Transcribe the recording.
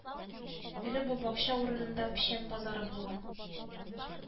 Альберт комач кебек кызарып чыкты.